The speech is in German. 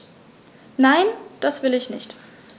Nein, das will ich nicht.